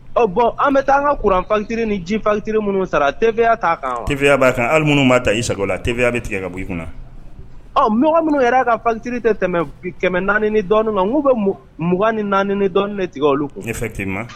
Ɔ bɔn an bɛ taa an ka kuran fatiri ni ji fatiri minnu sara tebiya t'a kan tebiya b'a kan ali minnu b'a ta isa la tɛbiya bɛ tigɛ ka bɔ kunna ɔ mɔgɔ minnu yɛrɛ ka fatiri tɛ tɛmɛ naani dɔn na n'u bɛ mugan ni naani ni dɔn ne tigɛ olu nefɛ tema